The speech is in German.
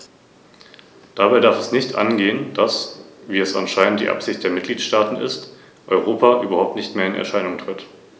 Tatsächlich ist das derzeitige Verfahren nur der letzte Abschnitt einer langen Geschichte der Annahme eines EU-Patents, die bis 1990 zurückreicht und nur von zwölf Mitgliedstaaten gefordert wurde.